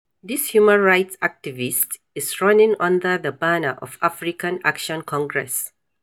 This human rights activist is running under the banner of African Action Congress.